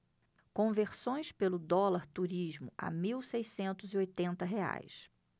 conversões pelo dólar turismo a mil seiscentos e oitenta reais